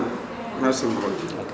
ok merci beaucoup